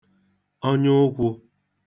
ọnya ụkwụ̄